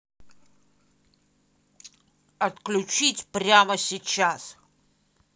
отключить прямо сейчас